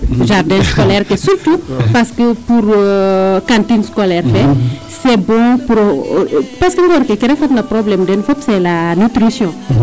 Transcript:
Jardin scolaire ke surtout parce que pour kantine scolaire fe c' est bon pour parce ce ngoor ke ke refatna problème den fop c' est la nutrition.